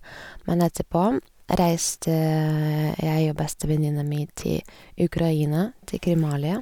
Men etterpå reiste jeg og bestevenninna mi til Ukraina, til Krimhalvøya.